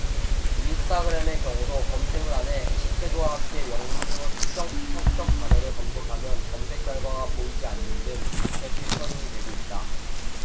인스타그램의 경우도 검색란에 해시태그와 함께 영문으로 특정 성적 단어를 검색하면 검색 결과가 보이지 않는 등 자체 필터링이 되고 있다